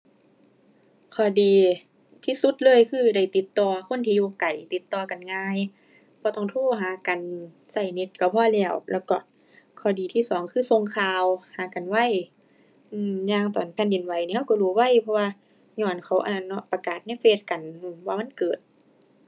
ข้อดีที่สุดเลยคือได้ติดต่อคนที่อยู่ไกล ติดต่อกันง่าย บ่ต้องโทรหากัน ใช้เน็ตใช้พอแล้ว แล้วก็ ข้อดีที่สองคือส่งข่าวหากันไว อือ อย่างตอนแผ่นดินไหวนี่เราใช้รู้ไว เพราะว่าญ้อนเขาอันนั้นเนาะ ประกาศในเฟซกัน อือ ว่ามันเกิด